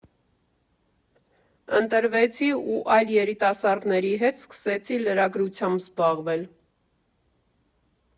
Ընտրվեցի ու այլ երիտասարդների հետ սկսեցի լրագրությամբ զբաղվել։